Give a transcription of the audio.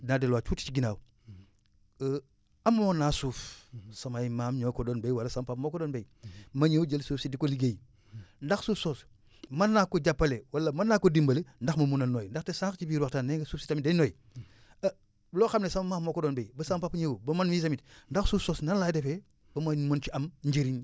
naa delluwaat tuuti ci ginnaaw amoon naa suuf samay maam ñoo ko daan béy wala samay papa moo ko doon béy ma ñëw jël suuf si di ko liggéey ndax suuf soosu mën naa ko jàppale wala mën naa ko dimbali ndax mu mën a noyyi ndaxte sànq ci biir waxtaan nee nga suuf tamit day noyyi loo xam ne sama maam moo ko doon béy ba sama papa ñëw ba man mii tamit ndax suuf soosu nan laay defee ba ma mën ci am njëriñ